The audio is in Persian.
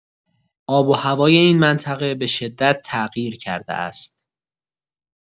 آب و هوای این منطقه به‌شدت تغییر کرده است.